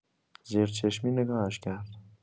زیر چشمی نگاهش کرد.